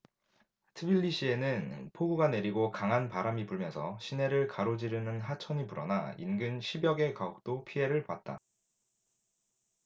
트빌리시에는 폭우가 내리고 강한 바람이 불면서 시내를 가로지르는 하천이 불어나 인근 십 여 개 가옥도 피해를 봤다